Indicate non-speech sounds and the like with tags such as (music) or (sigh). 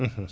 (hesitation) (hesitation)